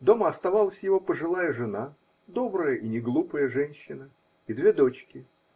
Дома оставалась его пожилая жена, добрая и неглупая женщина, и две дочки.